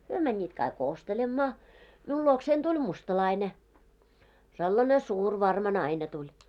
he menivät kaikki ostelemaan minun luokseni tuli mustalainen sellainen suuri varma nainen tuli